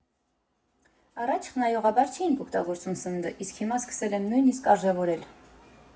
Առաջ խնայողաբար չէինք օգտագործում սնունդը, իսկ հիմա սկսել եմ նույնիկ արժևորել։